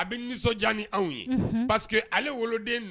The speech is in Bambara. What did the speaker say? A bɛ nisɔn anw yeseke wolo